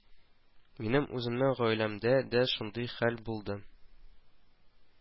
Минем үземнең гаиләмдә дә шундый хәл булды